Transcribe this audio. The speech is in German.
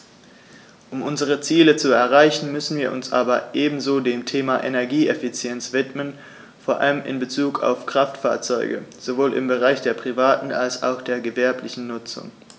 Um unsere Ziele zu erreichen, müssen wir uns aber ebenso dem Thema Energieeffizienz widmen, vor allem in Bezug auf Kraftfahrzeuge - sowohl im Bereich der privaten als auch der gewerblichen Nutzung.